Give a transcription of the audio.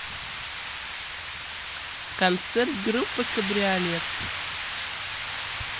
концерт группы кабриолет